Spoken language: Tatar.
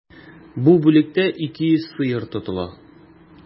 Бу бүлектә 200 сыер тотыла.